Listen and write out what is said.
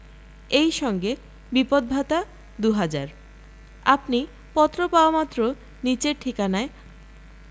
এই সঙ্গে বিপদ ভাতা দু'হাজার আপনি পত্র পাওয়ামাত্র নিচের ঠিকানায়